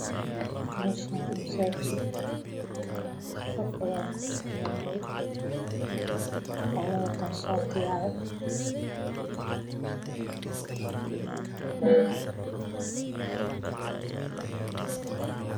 Meshan waa masajid rag ayan kudukanay waxeyna watan shatiyal